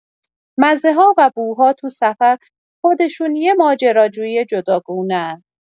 مزه‌ها و بوها تو سفر، خودشون یه ماجراجویی جداگونه‌ان.